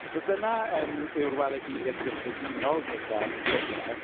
So dyna yym yw'r weledigaeth gyffredinol gyda'r gyfres.